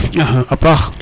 axa a paax